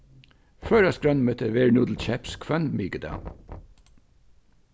føroyskt grønmeti verður nú til keyps hvønn mikudag